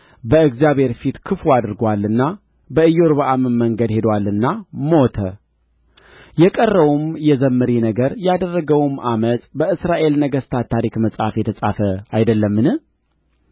በእግዚአብሔር ፊት ክፉ አድርጎአልና በኢዮርብዓምም መንገድ ሄዶአልና ሞተ የቀረውም የዘምሪ ነገር ያደረገውም ዐመፅ በእስራኤል ነገሥታት ታሪክ መጽሐፍ የተጻፈ አይደለምን